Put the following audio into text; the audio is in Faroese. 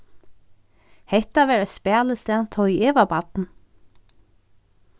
hetta var eitt spælistað tá ið eg var barn